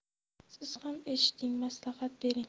siz ham eshiting maslahat bering